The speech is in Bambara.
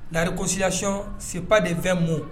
La réconciliation c'est pas de vain mot